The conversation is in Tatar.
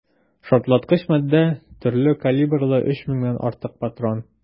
Шартлаткыч матдә, төрле калибрлы 3 меңнән артык патрон.